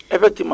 effectivement